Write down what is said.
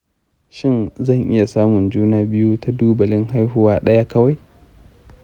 zan iya samun juna biyu da tubalin haihuwa ɗaya kawai?